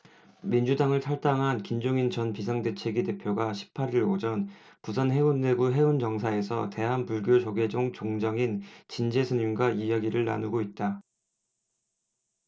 민주당을 탈당한 김종인 전 비상대책위 대표가 십 팔 일 오전 부산 해운대구 해운정사에서 대한불교조계종 종정인 진제 스님과 이야기를 나누고 있다